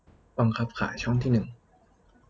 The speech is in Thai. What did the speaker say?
บังคับขายช่องที่หนึ่ง